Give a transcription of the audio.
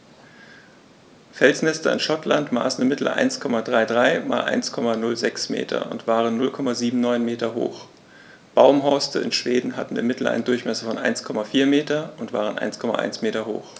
Felsnester in Schottland maßen im Mittel 1,33 m x 1,06 m und waren 0,79 m hoch, Baumhorste in Schweden hatten im Mittel einen Durchmesser von 1,4 m und waren 1,1 m hoch.